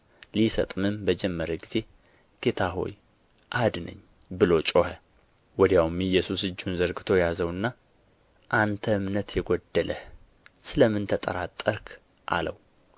ሊሰጥምም በጀመረ ጊዜ ጌታ ሆይ አድነኝ ብሎ ጮኸ ወዲያውም ኢየሱስ እጁን ዘርግቶ ያዘውና አንተ እምነት የጎደለህ ስለምን ተጠራጠርህ አለው